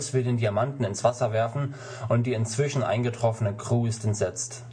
will den Diamanten ins Wasser werfen und die inzwischen eingetroffene Crew ist entsetzt